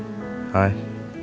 thôi